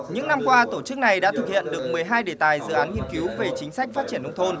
những năm qua tổ chức này đã thực hiện được mười hai đề tài dự án nghiên cứu về chính sách phát triển nông thôn